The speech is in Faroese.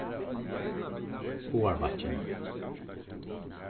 áarbakkin